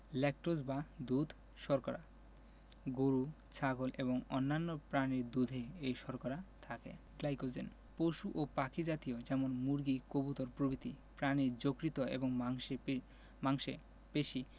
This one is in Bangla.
ল্যাকটোজ বা দুধ শর্করা গরু ছাগল এবং অন্যান্য প্রাণীর দুধে এই শর্করা থাকে গ্লাইকোজেন পশু ও পাখি জাতীয় যেমন মুরগি কবুতর প্রভৃতি প্রাণীর যকৃৎ এবং মাংসে পেশি